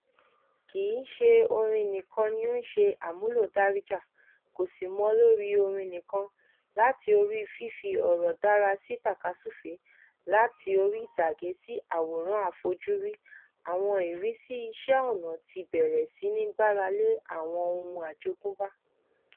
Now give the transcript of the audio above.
Kìí ṣe orin nìkan ni ó ń ṣe àmúlò Darija, kò sì mọ lórí orin nìkan, láti orí fífi ọ̀rọ̀ dára sí tàkasúfè, láti orí ìtàgé sí àwòrán àfojúrí, àwọn ìrísí iṣẹ́ ọnà ti bẹ̀rẹ̀ sí ní gbára lé àwọn ohun àjogúnbá.